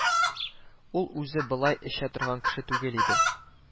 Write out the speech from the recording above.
Ул үзе болай эчә торган кеше түгел иде